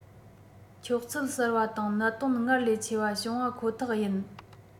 འཁྱོག ཚུལ གསར བ དང གནད དོན སྔར ལས ཆེ བ བྱུང བ ཁོ ཐག ཡིན